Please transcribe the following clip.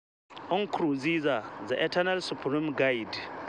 Nkurunziza, the ‘eternal supreme guide’